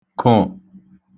kụ̀